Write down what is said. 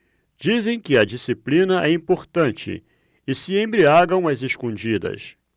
dizem que a disciplina é importante e se embriagam às escondidas